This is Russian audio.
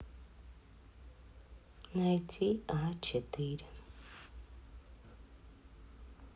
найти а четыре